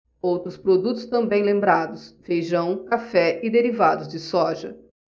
outros produtos também lembrados feijão café e derivados de soja